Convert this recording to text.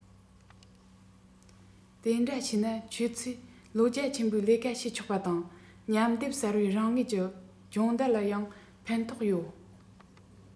དེ འདྲ བྱས ན ཁྱེད ཚོས བློ རྒྱ ཆེན པོས ལས ཀ བྱེད ཆོག པ དང མཉམ སྡེབ གསར པའི རང ངོས ཀྱི སྦྱོང བརྡར ལ ཡང ཕན ཐོགས ཡོད